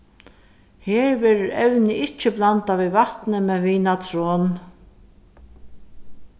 her verður evnið ikki blandað við vatni men við natron